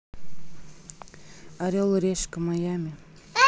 орел и решка майами